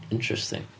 Interesting.